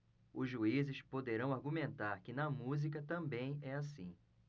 os juízes poderão argumentar que na música também é assim